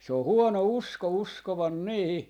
se on huono usko uskoa niihin